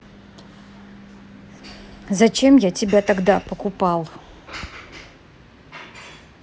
зачем я тебя тогда покупал